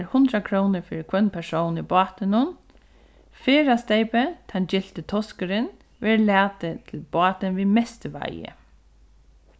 er hundrað krónur fyri hvønn persón í bátinum ferðasteypið tann gylti toskurin verður latið til bátin við mestu veiðu